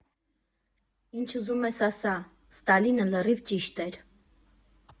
Ինչ ուզում ես ասա՝ Ստալինը լրիվ ճիշտ էր։